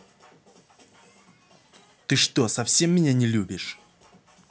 ты что совсем меня любишь